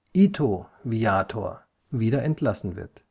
Ito viator!) wieder entlassen wird